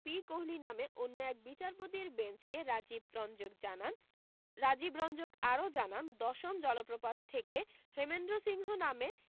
P Kohli নামে অন্য একটি বিচারপতীর বেঞ্চকে রাজীব রঞ্জক জানান রাজীব রঞ্জক আরও জানান দশম জলপ্রপাত থেকে হেমেন্দ্র সিংহ নামে